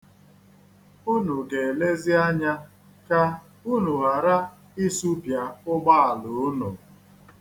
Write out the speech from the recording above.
Unu ga-elezi anya ka unu ghara isupịa ụgbọala unu.